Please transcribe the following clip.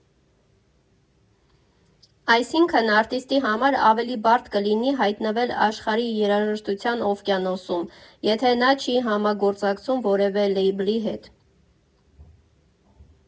Այսինքն՝ արտիստի համար ավելի բարդ կլինի հայտնվել աշխարհի երաժշտության օվկիանոսում, եթե նա չի համագործակցում որևէ լեյբլի հետ։